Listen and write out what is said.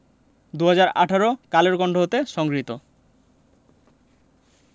২০১৮ কালের কন্ঠ হতে সংগৃহীত